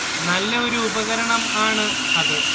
നല്ല ഒരു ഉപകരണം ആണ് അത്